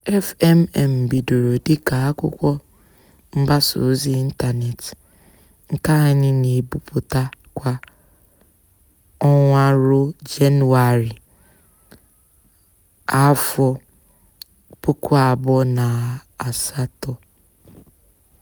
FMM bidoro dịka akwụkwọ mgbasa ozi ịntanetị, nke anyị na-ebipụta kwa ọnwa ruo Janụwarị 2008.